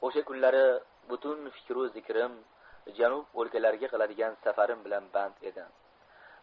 osha kunlari butun fikm zikrim janub olkalariga qiladigan safarim bilan band edi